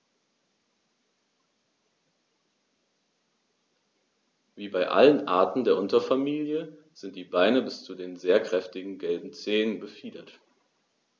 Wie bei allen Arten der Unterfamilie sind die Beine bis zu den sehr kräftigen gelben Zehen befiedert.